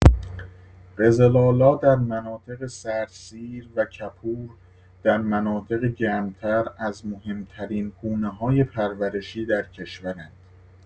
قزل‌آلا در مناطق سردسیر و کپور در مناطق گرم‌تر از مهم‌ترین گونه‌های پرورشی در کشورند.